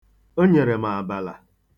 O nyere m abala.